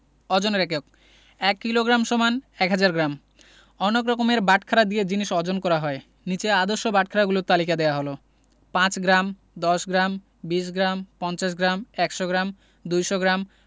অজনের এককঃ ১ kilogram = ১০০০ gram অনেক রকমের বাটখারা দিয়ে জিনিস অজন করা হয় নিচে আদর্শ বাটখারাগুলোর তালিকা দেয়া হলঃ ৫ গ্রাম ১০গ্ৰাম ২০ গ্রাম ৫০ গ্রাম ১০০ গ্রাম ২০০ গ্রাম